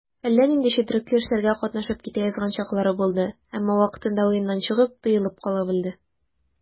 Әллә нинди четрекле эшләргә катнашып китә язган чаклары булды, әмма вакытында уеннан чыгып, тыелып кала белде.